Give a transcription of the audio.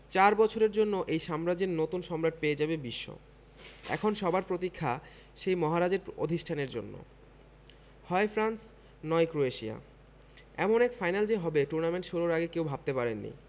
চার বছরের জন্য এই সাম্রাজ্যের নতুন সম্রাট পেয়ে যাবে বিশ্ব এখন সবার প্রতীক্ষা সেই মহারাজের অধিষ্ঠানের জন্য হয় ফ্রান্স নয় ক্রোয়েশিয়া এমন এক ফাইনাল যে হবে টুর্নামেন্ট শুরুর আগে কেউ ভাবতে পারেননি